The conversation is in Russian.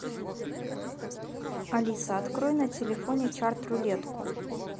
алиса открой на телефоне чатрулетку